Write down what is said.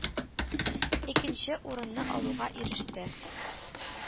Икенче урынны алуга иреште.